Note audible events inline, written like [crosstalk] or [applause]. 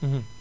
[hesitation] [hesitation]